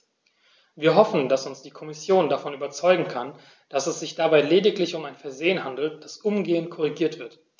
Wir hoffen, dass uns die Kommission davon überzeugen kann, dass es sich dabei lediglich um ein Versehen handelt, das umgehend korrigiert wird.